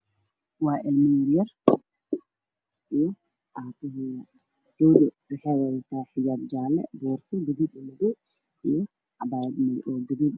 Waa ilmo yar yar oo waxay wadataa xijaab jaalle ah isku midooday ah boorso cagaar ah waxayna gacanta ku wadataa qalin waxaan soo daba socday wiil